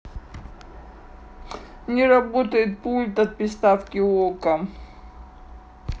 не работает пульт от приставки okko